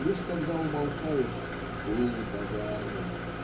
Лишь когда умолкает "гул базарный